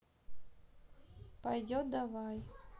пойдет давай